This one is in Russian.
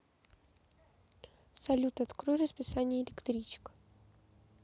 салют открой расписание электричек